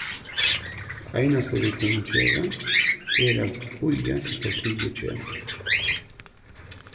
tað einasta vit kunnu gera er at bíða til politiið kemur